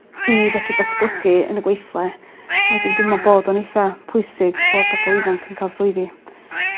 i fedru datblygu yn y gweithle wedyn dwi me'wl bod o'n eitha pwysig bod pobol ifanc yn ca'l swyddi.